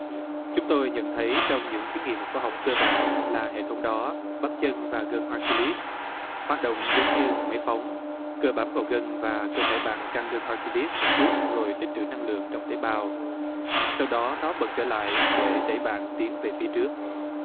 chúng tôi nhận thấy trong những thí nghiệm khoa học cơ bản là hệ thống đó bắp chân và gân a ki lít hoạt động giống như một máy phóng cơ bám vào gân và cơ thể bạn căng gân a ki lít một chút rồi tích trữ năng lượng trong tế bào sau đó nó bật trở lại để đẩy bạn tiến về phía trước